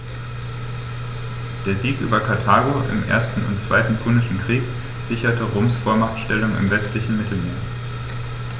Der Sieg über Karthago im 1. und 2. Punischen Krieg sicherte Roms Vormachtstellung im westlichen Mittelmeer.